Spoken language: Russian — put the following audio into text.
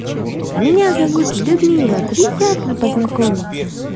а меня зовут людмила приятно познакомиться